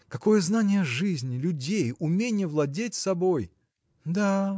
какое знание жизни, людей, уменье владеть собой! – Да